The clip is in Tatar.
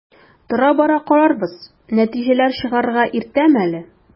Тора-бара карарбыз, нәтиҗәләр чыгарырга иртәме әле?